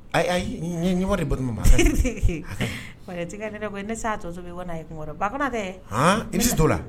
Ɲuman de ba matigɛ ne ko ne se'a to so bɛ yen n ye bak tɛ i bɛ t'o la